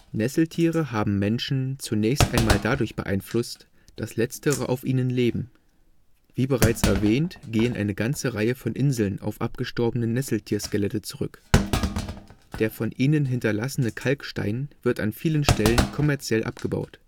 Nesseltiere haben Menschen zunächst einmal dadurch beeinflusst, dass letztere auf ihnen leben: Wie bereits erwähnt gehen eine ganze Reihe von Inseln auf abgestorbene Nesseltierskelette zurück. Der von ihnen hinterlassene Kalkstein wird an vielen Stellen kommerziell abgebaut